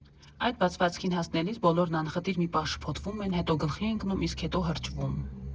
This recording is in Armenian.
Այդ բացվածքին հասնելիս բոլորն անխտիր մի պահ շփոթվում են, հետո գլխի ընկնում, իսկ հետո հրճվում։